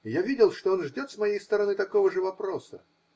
-- И я видел, что он ждет с моей стороны такого же вопроса